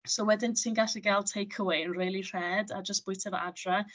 So wedyn ti'n gallu gael takeaway rili rhad, a jyst bwyta fo adre.